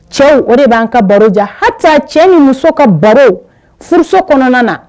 Cɛw o de b'an ka baro ja ha cɛ ni muso ka baro furuuso kɔnɔna na